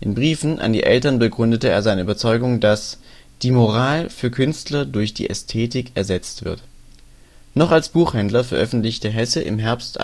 In Briefen an die Eltern bekundete er seine Überzeugung, dass " die Moral für Künstler durch die Ästhetik ersetzt wird ". Noch als Buchhändler veröffentlichte Hesse im Herbst